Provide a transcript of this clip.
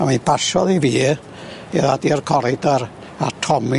A mi basiodd i fi i ddod i'r corridor a Tommy